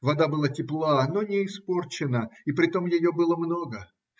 Вода была тепла, но не испорчена, и притом ее было много.